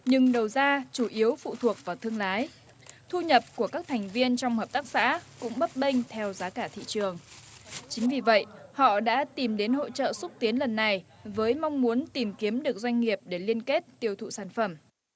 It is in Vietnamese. nhưng đầu ra chủ yếu phụ thuộc vào thương lái thu nhập của các thành viên trong hợp tác xã cũng bấp bênh theo giá cả thị trường chính vì vậy họ đã tìm đến hội chợ xúc tiến lần này với mong muốn tìm kiếm được doanh nghiệp để liên kết tiêu thụ sản phẩm